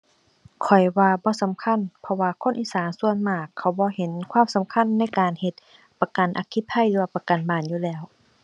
ข้อยว่าบ่สำคัญ เพราะว่าคนอีสานส่วนมากเขาบ่เห็นความสำคัญในการเฮ็ดประกันอัคคีภัยหรือว่าประกันบ้านอยู่แล้ว